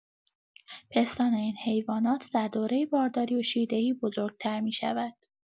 پستان این حیوانات در دوره بارداری و شیردهی بزرگ‌تر می‌شود.